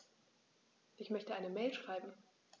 Ich möchte eine Mail schreiben.